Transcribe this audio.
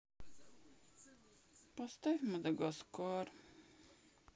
поставь мадагаскар